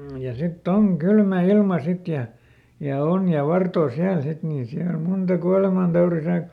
ja sitten on kylmä ilma sitten ja ja on ja vartoo siellä sitten niin siellä monta kuolemantaudin sai